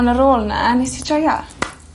On' ar ôl 'na nes i joio.